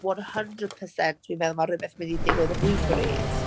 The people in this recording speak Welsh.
One hundred percent fi'n meddwl mae rhywbeth yn mynd i digwydd rhywbryd.